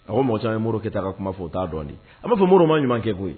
A ko mɔnzɔn ye muru kɛ taa ka kuma fɔ o t'a dɔɔnin a b'a fɔ muruma ɲuman kɛ koyi yen